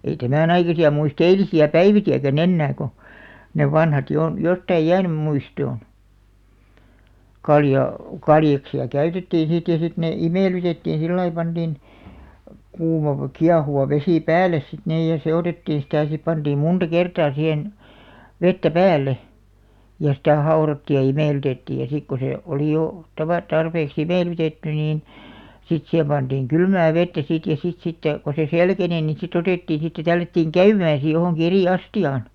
ei tämän aikaisia muista eilisiä päiviäkään enää kun ne vanhat jo on jotakin jäänyt muistoon - kaljaksia käytettiin sitten ja sitten ne imellytettiin sillä lailla pantiin kuuma kiehuva vesi päälle sitten niin ja sekoitettiin sitä ja sinne pantiin monta kertaa siihen vettä päälle ja sitä haudottiin ja imellytettiin ja sitten kun se oli jo - tarpeeksi imellytetty niin sitten siihen pantiin kylmää vettä sitten ja sitten sitten kun se selkeni niin sitten otettiin sitten tällättiin käymään sitten johonkin eri astiaan